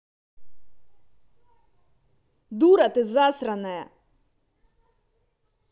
дура ты засраная